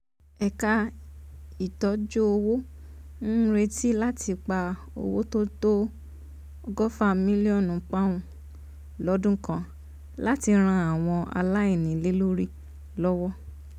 Ẹ̀ka ìtọ́júowo ń retí láti pa owó tó tó £120 million lọ́dún kan - láti ran àwọn aláìnílélórí lọ́wọ̀.